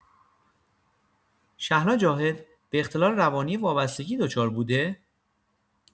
شهلا جاهد به اختلال روانی وابستگی دچار بوده؟